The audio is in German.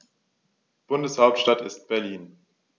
Bundeshauptstadt ist Berlin.